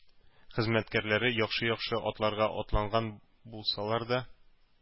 Хезмәткәрләре яхшы-яхшы атларга атланган булсалар да,